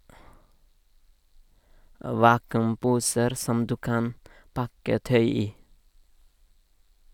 - Vakuumposer som du kan pakke tøy i.